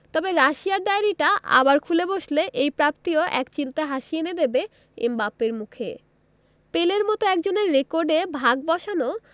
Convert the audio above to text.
তবে রাশিয়ার ডায়েরিটা আবার খুলে বসলে এই প্রাপ্তি ও একচিলতে হাসি এনে দেবে এমবাপ্পের মুখে পেলের মতো একজনের রেকর্ডে ভাগ বসানো